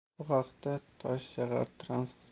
bu haqda toshshahartransxizmat aj